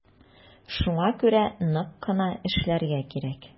Шуңа күрә нык кына эшләргә кирәк.